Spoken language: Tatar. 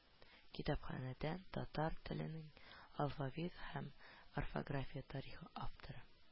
Китапханәдән “Татар теленең алфавит һәм орфография тарихы” авторы